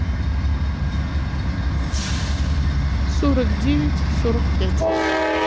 сорок девять сорок пять